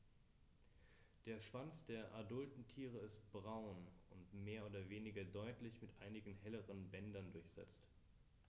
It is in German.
Der Schwanz der adulten Tiere ist braun und mehr oder weniger deutlich mit einigen helleren Bändern durchsetzt.